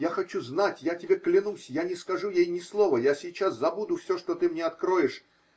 Я хочу знать, я тебе клянусь -- я не скажу ей ни слова, я сейчас забуду все, что ты мне откроешь